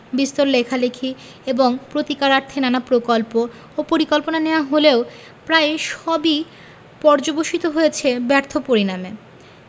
বিস্তর লেখালেখি এবং প্রতিকারার্থে নানা প্রকল্প ও পরিকল্পনা নেয়া হলেও প্রায় সবই পর্যবসিত হয়েছে ব্যর্থ পরিণামে